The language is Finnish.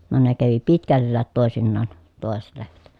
no ne kävi pitkälläkin toisinaan toiset lehmät